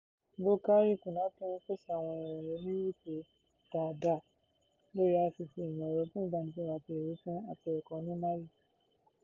Boukary Konaté ń pèsè àwọn ìròyìn onírètí dáadáa lórí ICT (Ìmọ̀-ẹ̀rọ fún Ìbánisọ̀rọ̀ àti Ìwífún) àti ẹ̀kọ́ ní Mali.